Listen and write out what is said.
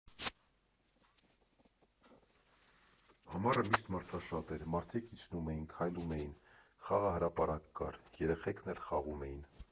Ամառը միշտ մարդաշատ էր, մարդիկ իջնում էին, քայլում էին, խաղահրապարակ կար, երեխեքն էլ խաղում էին։